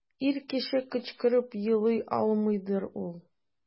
Ир кеше кычкырып елый алмыйдыр ул.